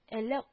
Әллә